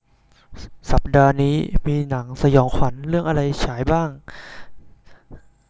สัปดาห์นี้มีหนังสยองขวัญเรื่องอะไรฉายบ้าง